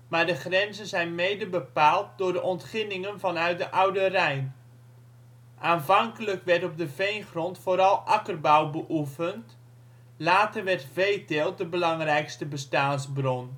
maar de grenzen zijn mede bepaald door de ontginningen vanuit de Oude Rijn. Aanvankelijk werd op de veengrond vooral akkerbouw beoefend, later werd veeteelt de belangrijkste bestaansbron